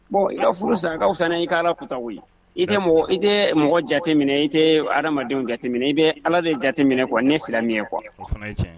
Bon i ka furu sankaw fana i ala kuta i tɛ mɔgɔ i tɛ mɔgɔ jate minɛ i tɛ adamadenw jateminɛ i bɛ ala de jate minɛ kɔ ne sira kɔ